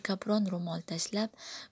kapron ro'mol tashlab